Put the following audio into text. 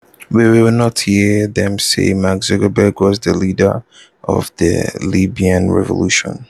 We will not hear them say: “Mark Zuckerberg was the leader of the Libyan revolution”